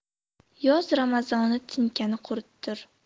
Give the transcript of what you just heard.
yoz ramazoni tinkani quritur